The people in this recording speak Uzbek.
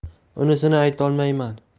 unisini aytolmayman